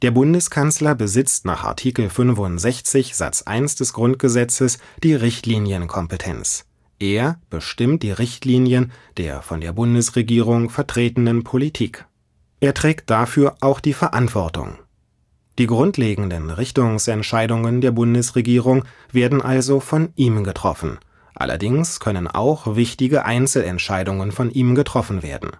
Bundeskanzler besitzt nach Artikel 65 Satz 1 des Grundgesetzes die Richtlinienkompetenz: Er „ bestimmt die Richtlinien der [von der Bundesregierung vertretenen] Politik “. Er trägt dafür auch die Verantwortung. Die grundlegenden Richtungsentscheidungen der Bundesregierung werden also von ihm getroffen, allerdings können auch wichtige Einzelentscheidungen von ihm getroffen werden